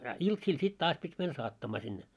a iltaisin sitten taas piti mennä saattamaan sinne